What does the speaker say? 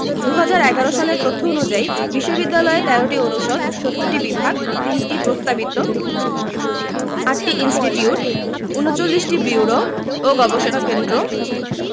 ২০১১ সালের তথ্য অনুযায়ী বিশ্ববিদ্যালয়ে ১৩টি অনুষদ ৭০টি বিভাগ ৩টি প্রস্তাবিত ৮টি ইনস্টিটিউট ৩৯টি ব্যুরো ও গবেষণা কেন্দ্র